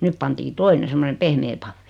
nyt pantiin toinen semmoinen pehmeä pahvi